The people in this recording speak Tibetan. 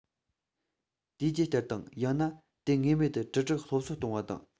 དུས བཅད ལྟར དང ཡང ན དུས ངེས མེད དུ དྲིལ བསྒྲགས སློབ གསོ གཏོང བ དང